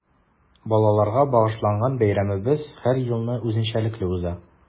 Балаларга багышланган бәйрәмебез һәр елны үзенчәлекле уза.